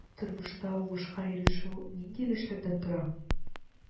Тормышта уңышка ирешү нинди өлешләрдән тора?